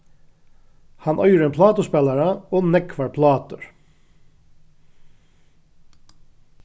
hann eigur ein plátuspælara og nógvar plátur